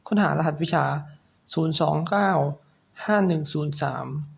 ค้นหารหัสวิชาศูนย์สองเก้าห้าหนึ่งศูนย์สาม